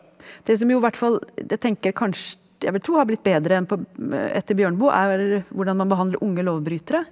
det som jo hvert fall jeg tenker jeg vil tro har blitt bedre enn på etter Bjørneboe er hvordan man behandler unge lovbrytere.